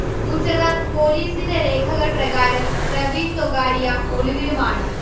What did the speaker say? ഗുജറാത്ത് പോലീസിന്റെ രേഖകൾപ്രകാരം പ്രവീൺ തൊഗാഡിയ ഒളിവിലുമാണ്